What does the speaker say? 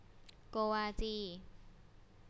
โกวาจี